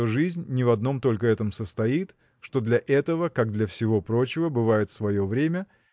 что жизнь не в одном только этом состоит что для этого как для всего прочего бывает свое время